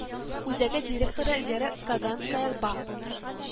Үзәге директоры вера каганская ба